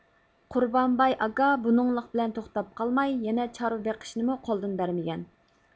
قۇرمانباي ئاكا بۇنىڭلىق بىلەن توختاپ قالماي يەنە چارۋا بېقىشنىمۇ قولدىن بەرمىگەن